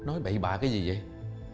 nói bậy bạ cái gì dậy